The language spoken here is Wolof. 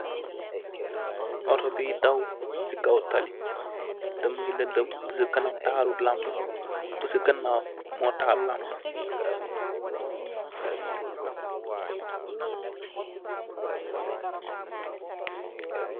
Auto bi daw ci kaw tali teh muggi ledeem, teh ku ci kanam tahalut lampú, ku ci ganaw mó tahal lampú.